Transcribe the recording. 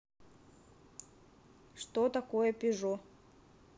что такое пежо